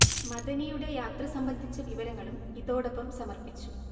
മദനിയുടെ യാത്ര സംബന്ധിച്ച വിവരങ്ങളും ഇതോടൊപ്പം സമർപ്പിച്ചു